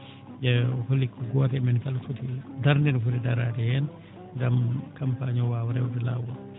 ƴeewee holi ko gooto e men fof darnde nde foti daraade heen ngam campagne o waawa rewde laawol